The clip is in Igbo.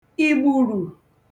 ìgbùrù